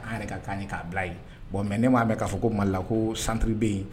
A' k'a bila ye bon mɛ ne m'a bɛ k'a fɔ ko mala ko sanururibe yen